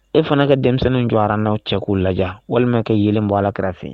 E fana ka denmisɛnnin jɔ n'aw cɛ k'u la walima kɛ ye bɔ ala kɛrɛfɛ fɛ